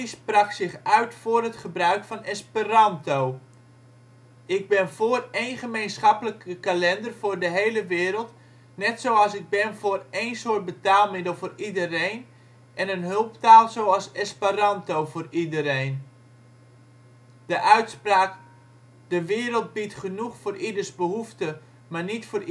sprak zich uit voor het gebruik van Esperanto: " Ik ben voor één gemeenschappelijke kalender voor de hele wereld, net zoals ik ben voor één soort betaalmiddel voor iedereen en een hulptaal zoals Esperanto voor iedereen. " De uitspraak " De wereld biedt genoeg voor ieders behoefte, maar niet voor